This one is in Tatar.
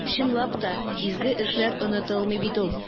Чынлап та, изге эшләр онытылмый бит ул.